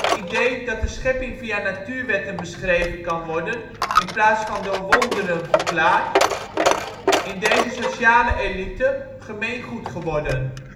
idee dat de schepping via natuurwetten beschreven kan worden in plaats van door wonderen verklaard (mechanisme) in deze sociale elite gemeengoed geworden